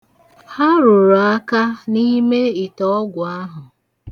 Ha rụrụ aka n'ime ite ọgwụ ahụ.